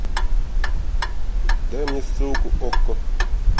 дай мне ссылку okko